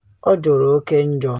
Ọ jọrọ oke njọ.